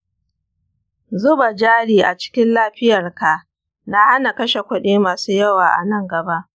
zuba jari acikin lafiyar ka, na hana kashe kuɗi masu yawa anan gaba.